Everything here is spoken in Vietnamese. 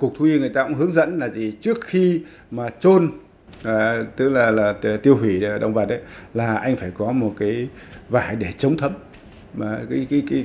cục thú y người tạm hướng dẫn là gì trước khi mà chôn ạ tức là là tề tiêu hủy đông và đây là anh phải có một ghế vải để chống thấm mà cái cái